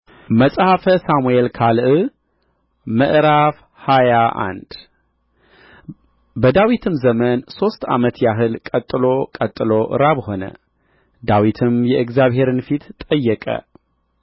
መጽሐፈ ሳሙኤል ካል ምዕራፍ ሃያ አንድ በዳዊትም ዘመን ሦስት ዓመት ያህል ቀጥሎ ራብ ሆነ ዳዊትም የእግዚአብሔርን ፊት ጠየቀ